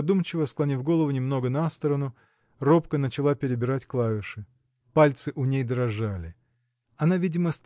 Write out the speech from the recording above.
задумчиво склонив голову немного на сторону робко начала перебирать клавиши. Пальцы у ней дрожали. Она видимо